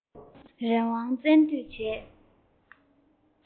རང དབང བསྩལ དུས བྱས